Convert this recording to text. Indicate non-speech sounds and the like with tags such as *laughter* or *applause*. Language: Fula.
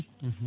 *hesitation* *hesitation*